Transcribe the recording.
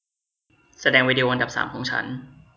แสดงวิดีโออันดับสามของฉัน